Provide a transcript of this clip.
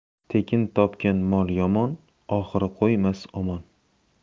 tekin topgan mol yomon oxiri qo'ymas omon